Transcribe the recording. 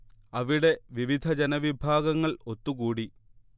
അവിടെ വിവിധ ജനവിഭാഗങ്ങൾ ഒത്തുകൂടി